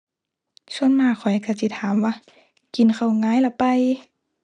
ส่วนมากข้อยก็จิถามว่ากินข้าวงายละไป